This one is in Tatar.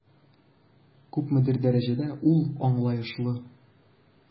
Күпмедер дәрәҗәдә ул аңлаешлы.